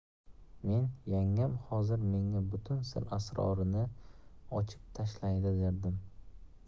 men yangam hozir menga butun sir asrorini ochib tashlaydi derdim